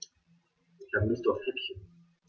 Ich habe Lust auf Häppchen.